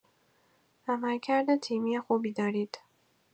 عملکرد تیمی خوبی دارید.